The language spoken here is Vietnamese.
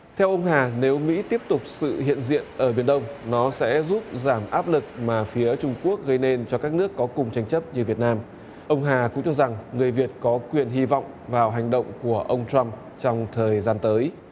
theo ông hà nếu mỹ tiếp tục sự hiện diện ở biển đông nó sẽ giúp giảm áp lực mà phía trung quốc gây nên cho các nước có cùng tranh chấp như việt nam ông hà cũng cho rằng người việt có quyền hy vọng vào hành động của ông trăm trong thời gian tới